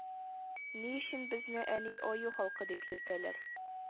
– ни өчен безне, әни, аю халкы дип йөртәләр